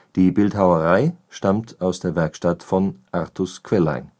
Die Bildhauerei stammt aus der Werkstatt von Artus Quellijn